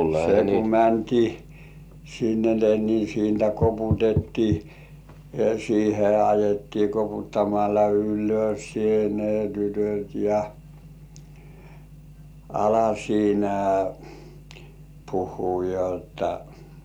se kun mentiin sinne ne niin siitä koputettiin siihen ajettiin koputtamalla ylös se ne tytöt ja ala siinä puhua jotta